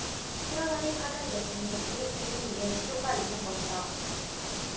테러단이 파견됐으니 우리국민 위해 시도가 있는 것이다